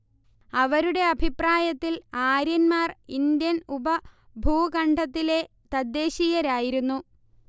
അവരുടെ അഭിപ്രായത്തിൽ ആര്യന്മാർ ഇന്ത്യൻ ഉപഭൂഖണ്ഡത്തിലെ തദ്ദേശീയരായിരുന്നു